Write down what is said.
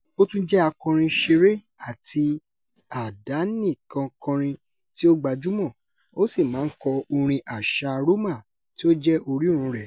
Ó tún jẹ́ akọrin-ṣeré àti àdánìkànkọrin tí ó gbajúmọ̀, ó sì máa ń kọ orin àṣà Roma tí ó jẹ́ orírun rẹ̀.